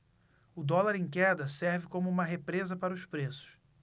o dólar em queda serve como uma represa para os preços